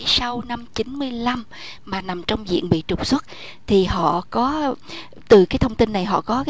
sau năm chín mươi lăm mà nằm trong diện bị trục xuất thì họ có từ khi thông tin này họ có